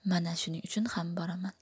mana shuning uchun ham boraman